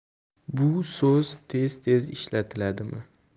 bu so'z tez tez ishlatiladimi